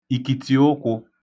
ìkìtìụkwụ̄